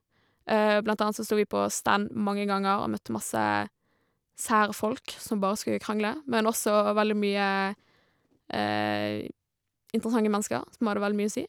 Blant annet så stod vi på stand mange ganger og møtte masse sære folk som bare skulle krangle, men også veldig mye interessante mennesker som hadde veldig mye å si.